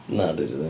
Na, dydy o ddim.